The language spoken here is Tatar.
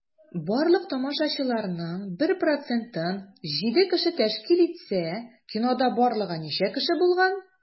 Барлык тамашачыларның 1 процентын 7 кеше тәшкил итсә, кинода барлыгы ничә кеше булган?